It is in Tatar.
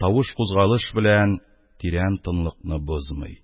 Тавыш-кузгалыш белән тирән тынлыкны бозмый.